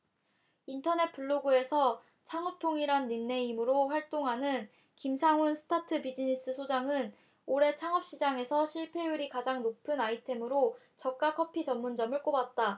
인터넷 블로그에서창업통이란 닉네임으로 활동하는 김상훈 스타트비즈니스 소장은 올해 창업시장에서 실패율이 가장 높은 아이템으로 저가 커피 전문점을 꼽았다